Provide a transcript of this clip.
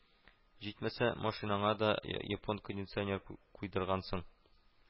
Җитмәсә, машинаңа да япон кондиционер куйдыргансың